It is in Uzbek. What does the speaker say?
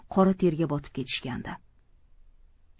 qora terga botib ketishgandi